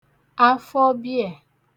afọ biè